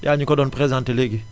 yaa ñu ko doon présenté léegi